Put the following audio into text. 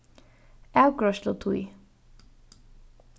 avgreiðslutíð